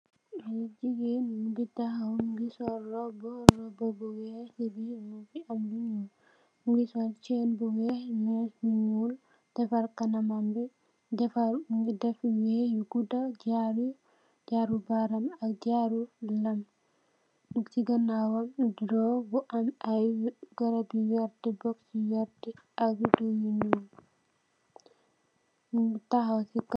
Jigen mungi tahaw mungi sol robu bu weex am lu nul, mungi sol Chen bu weex am lu nul, mungi defar kanamam, mungi def wee yu guda, jaro baram ak jaro lamm,